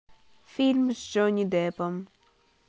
фильм с джонни деппом